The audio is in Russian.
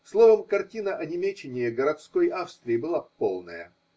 Словом, картина онемечения городской Австрии была полная.